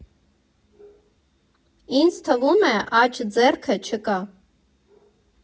Ինձ թվում է՝ աջ ձեռքը չկա։